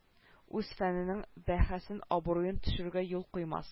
Үз фәненең бәһасен абруен төшерүгә юл куймас